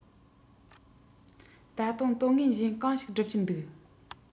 ད དུང དོན ངན གཞན གང ཞིག སྒྲུབ ཀྱིན འདུག